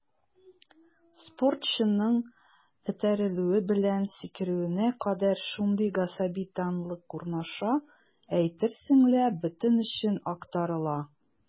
Спортчының этәрелүе белән сикерүенә кадәр шундый гасаби тынлык урнаша, әйтерсең лә бөтен эчең актарыла.